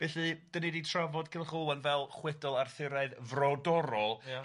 Felly 'dan ni 'di trafod Culhwch ac Olwen fel chwedl Arthuraidd frodorol... Ia...